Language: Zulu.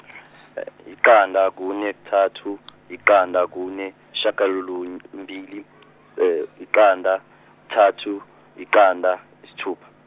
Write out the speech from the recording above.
yiqanda kune thathu yiqanda kune shagalolun- mbili, yiqanda thathu yiqanda yisithupa.